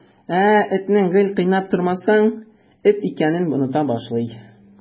Ә этне гел кыйнап тормасаң, эт икәнен оныта башлый.